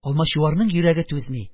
Алмачуарның йөрәге түзми,